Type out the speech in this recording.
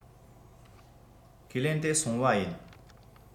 ཁས ལེན དེ སོང བ ཡིན